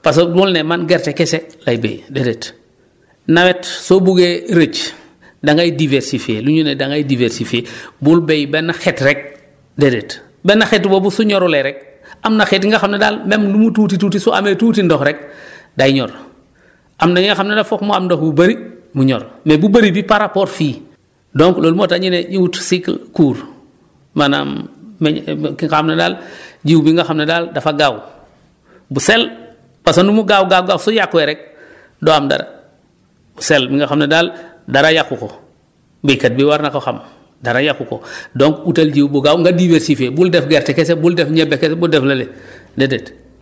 parce que bul ne man gerte kese laay béy déedéet nawet soo buggee rëcc da ngay diversifier lu ñu ne da ngay diversifier bul béy benn xeet rek déedéet benn xeet boobu su ñorulee rek am na xeet yi nga xam ne daal même lu mu tuuti tuuti su amee tuuti ndox rek day ñor am na yi nga xam ne nag foog mu am ndox bu bëri mu ñor mais bu bëri bi par rapport fii donc loolu moo tax ñu ne ñu wut cycle court maanaam meññ ki nga xam ne daal jiw bi nga xam ne daal dafa gaaw bu sell parce que nu mu gaaw gaaw su yàqoo rek du am dara sell bi nga xam ne daal dara yàqu ko béykat bi war na ko xam dara yàqu ko donc utal jiw bu gaaw nga diversifier bul def gerte kese bul def ñebe kese bul def lële déedéet